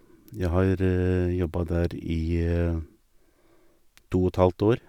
Jeg har jobba der i to og et halvt år.